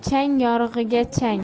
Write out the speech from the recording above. chang yorig'iga chang